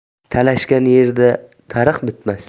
talashgan yerda tariq bitmas